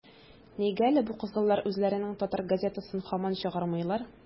- нигә әле бу кызыллар үзләренең татар газетасын һаман чыгармыйлар?